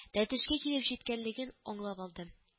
Тәтешкә килеп җиткәнлеген аңлап алдым